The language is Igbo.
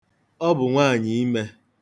Ọ bụ nwaanyịime.